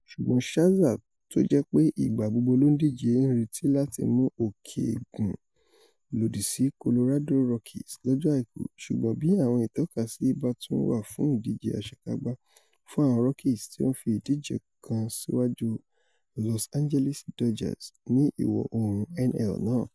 Ṣùgbọn Scherzer tójẹ́pé ìgbà gbogbo ló ndíje ńretí láti mú òkè gùn lòdì sí Colorado Rockies lọ́jọ́ Àìkú, ṣùgbọ́n bí àwọn ìtọ́kasí bá tún wà fún ìdíje àṣekágbá fún Àwọn Rockies, tí ó ńfi ìdíje kan síwáju Los Angeles Dodgers ní Ìwọ̀-oòrùn NL náà.